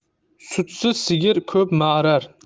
sutsiz sigir ko'p ma'rar